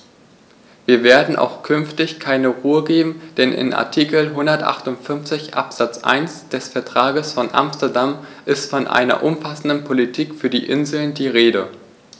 Wir werden auch künftig keine Ruhe geben, denn in Artikel 158 Absatz 1 des Vertrages von Amsterdam ist von einer umfassenden Politik für die Inseln die Rede.